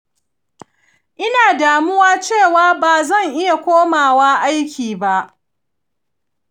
ina damuwa cewa ba zan iya komawa aiki ba.